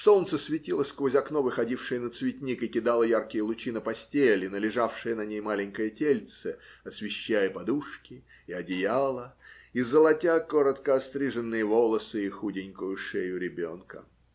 Солнце светило сквозь окно, выходившее на цветник, и кидало яркие лучи на постель и на лежавшее на ней маленькое тельце, освещая подушки и одеяло и золотя коротко остриженные волосы и худенькую шею ребенка.